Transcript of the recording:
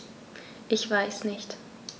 Ich weiß nicht.